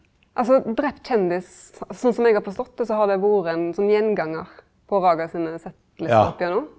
altså Drept kjendis, sånn som eg har forstått det, så har det vore ein sånn gjengangar på Raga sine settlister oppigjennom?